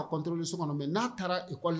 A controler sɔkɔnɔ mais n'a taara école l